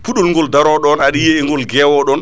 puɗol ngol daro ɗon aɗa yiya e ngol guewo ɗon